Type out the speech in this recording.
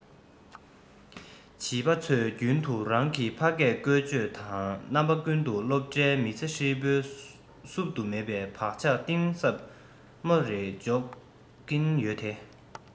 བྱིས པ ཚོས རྒྱུན དུ རང གི ཕ སྐད བཀོལ སྤྱོད དུས དང རྣམ པ ཀུན ཏུ སློབ གྲྭའི མི ཚེ ཧྲིལ པོར བསུབ ཏུ མེད པའི བག ཆགས གཏིང ཟབ མོ རེ འཇོག གིན ཡོད དེ